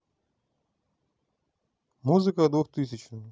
музыка двухтысячные